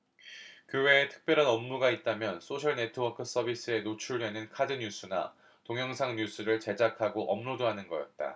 그 외에 특별한 업무가 있다면 소셜네트워크서비스에 노출되는 카드뉴스나 동영상뉴스를 제작하고 업로드하는 거였다